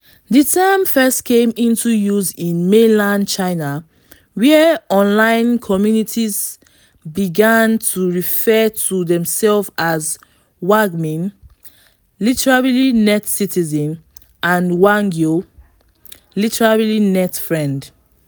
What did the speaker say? The term first came into use in mainland China, where online communities began to refer to themselves as wǎngmín (网民, literally “net-citizen”) and wǎngyǒu (网友, literally “net-friend”).